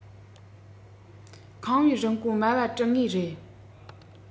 ཁང པའི རིན གོང དམའ བ འདྲུད ངེས རེད